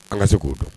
An ŋa se k'o dɔn